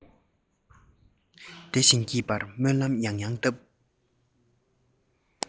བདེ ཞིང སྐྱིད པར སྨོན ལམ ཡང ཡང བཏབ